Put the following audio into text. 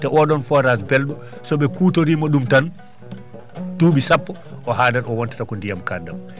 te oɗon forage belɗo soɓe kutorima ɗum tan duuɓi sappo o haaɗat o wontata ko ndiyam kaɗɗam